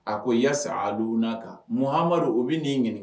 A ko yaasa adunaa kan muhamadu o bɛ nini ɲini